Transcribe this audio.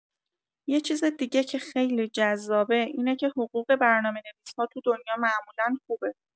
یه چیز دیگه که خیلی جذابه اینه که حقوق برنامه‌نویس‌ها تو دنیا معمولا خوبه.